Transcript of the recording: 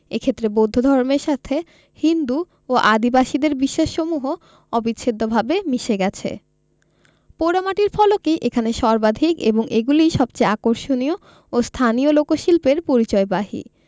এক্ষেত্রে বৌদ্ধধমের্র সাথে হিন্দু ও আদিবাসীদের বিশ্বাসসমূহ অবিচ্ছেদ্যভাবে মিশে গেছে পোড়ামাটির ফলকই এখানে সর্বাধিক এবং এগুলিই সবচেয়ে আকর্ষণীয় ও স্থানীয় লোকশিল্পের পরিচয়বাহী